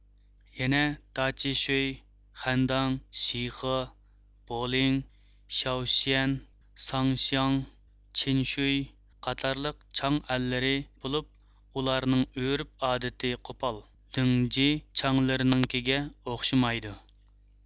يەنە داچشۇي خەنداڭ شىخې بولىڭ شياۋششەن ساڭشياڭ چىنشۇي قاتارلىق چاڭ ئەللىرى بولۇپ ئۇلارنىڭ ئۆرپ ئادىتى قوپال دېڭجى چاڭلىرىنىڭكىگە ئوخشىمايدۇ